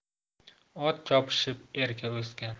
ot chopishib erka o'sgan